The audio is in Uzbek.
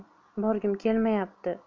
borgim kelmayapti